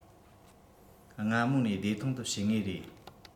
སྔ མོ ནས བདེ ཐང དུ བྱེད ངེས རེད